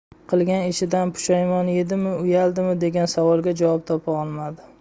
qilgan ishidan pushaymon yedimi uyaldimi degan savolga javob topa olmadi